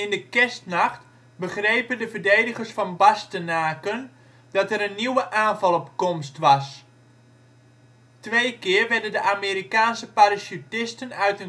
de kerstnacht begrepen de verdedigers van Bastenaken dat er een nieuwe aanval op komst was. Twee keer werden de Amerikaanse parachutisten uit